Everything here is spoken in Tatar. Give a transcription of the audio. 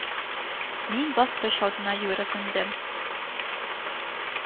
Мин баскыч алдына йөгереп мендем